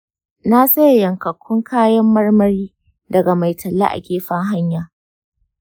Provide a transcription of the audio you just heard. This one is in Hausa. na saye yankakkun kayan marmari daga mai talla a gefen hanya.